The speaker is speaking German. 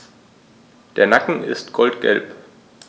Der Nacken ist goldgelb.